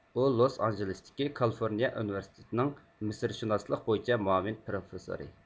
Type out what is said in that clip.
ئۇ لوس ئانژېلېستىكى كالىفورنىيە ئۇنىۋېرسىتېتىنىڭ مىسىرشۇناسلىق بويىچە مۇئاۋىن پروفېسسورى